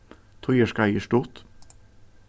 tíðarskeiðið er stutt